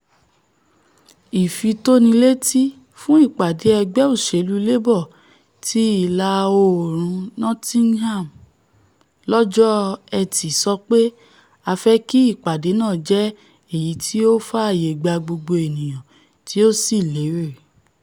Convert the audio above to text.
̀Ìfitónilétí fún ìpàdé ẹ̵gbẹ́ òṣèlú Labour ti Ìlà-oòrùn Nottingham lọ́jọ́ Ẹtì sọ pé ''a fẹ́ kí ìpàdé náà jẹ́ èyití ó fààyè gba gbogbo ènìyàn tí ó sì lérè.''